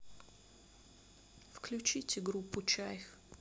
включите группу чайф